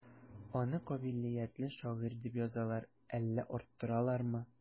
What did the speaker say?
Аны кабилиятле шагыйрь дип язалар, әллә арттыралармы?